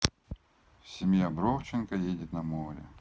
семья бровченко едет на море